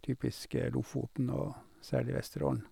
Typisk Lofoten og særlig Vesterålen.